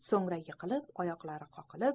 so'ngra yiqilib oyoqlarini qoqib